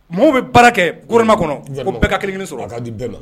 Maaw be baara kɛ gouvernement kɔnɔ ko bɛɛ ka kelen-kelen sɔrɔ a ka di bɛɛ ma